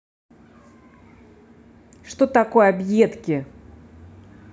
что такое объедки